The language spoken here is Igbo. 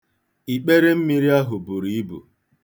Ikperemmiri ahụ buru ibu.